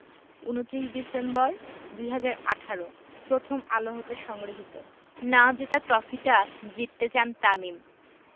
২৯ December ২০১৮ Prothom Alo হতে সংগৃহীত না জেতা ট্রফিটা জিততে চান তামিম